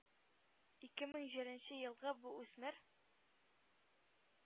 Икемең җеренче елгы бу үсмер